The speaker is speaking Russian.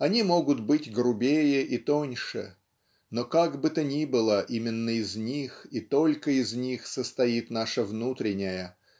они могут быть грубее и тоньше но как бы то ни было именно из них и только из них состоит наша внутренняя